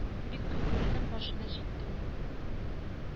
Кайберләре уенчык атлар белән уйныйлар.